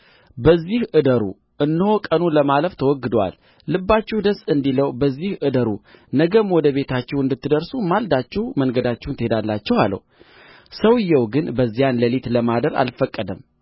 በዚህ እደሩ እነሆ ቀኑ ለማለፍ ተዋግዶአል ልባችሁ ደስ እንዲለው በዚህ እደሩ ነገም ወደ ቤታችሁ እንድትደርሱ ማልዳችሁ መንገዳችሁን ትሄዳላችሁ አለው ሰውዮው ግን በዚያ ሌሊት ለማደር አልፈቀደም